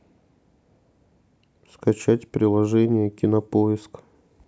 скачать приложение кинопоиск